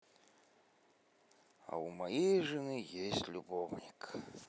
а у моей жены есть любовник